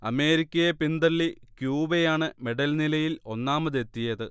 അമേരിക്കയെ പിന്തള്ളി ക്യൂബയാണ് മെഡൽനിലയിൽ ഒന്നാമതെത്തിയത്